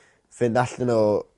fynd allan o